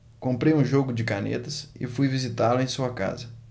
comprei um jogo de canetas e fui visitá-lo em sua casa